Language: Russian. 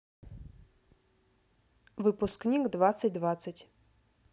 выпускник двадцать двадцать